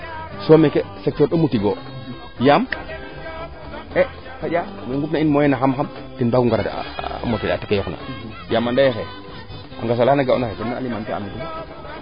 so meeke secteur ɗomu tigo yaam xaƴa wee ngupna in moyen no xam xam den mbagu ngar a motale atoyo ke yoqna yaam andaye xaye a ngasa laana ga'oona xaye